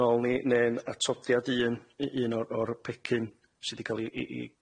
nôl mi neu'n atodiad un, un o'r o'r pecyn sydd 'di ca'l 'i i